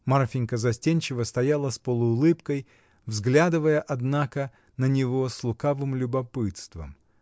Марфинька застенчиво стояла, с полуулыбкой, взглядывая, однако, на него с лукавым любопытством.